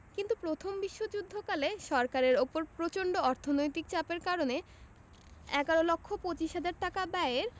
কিন্তু প্রথম বিশ্বযুদ্ধকালে সরকারের ওপর প্রচন্ড অর্থনৈতিক চাপের কারণে এগারো লক্ষ পচিশ হাজার টাকা ব্যয়ের